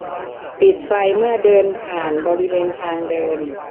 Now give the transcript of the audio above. ปิดไฟเมื่อเดินผ่านบริเวณทางเดิน